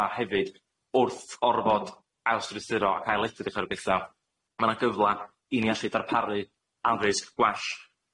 'ma hefyd wrth orfod ailstrythuro ac ail- edrych ar betha ma' 'na gyfla i ni allu darparu addysg gwell